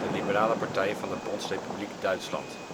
liberale partij van de Bondsrepubliek Duitsland